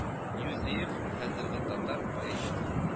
Юзеев Хәзерге татар поэтикасы